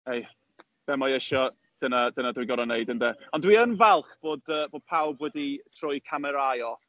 Ei, be mae o isio, dyna dyna dwi'n goro wneud ynde. Ond dwi yn falch bod, yy, bo' pawb wedi troi eu camerâu off.